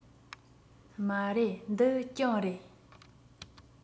མ རེད འདི གྱང རེད